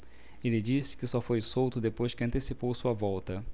ele disse que só foi solto depois que antecipou sua volta